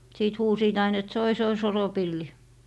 siitä huusivat aina että soi soi soropilli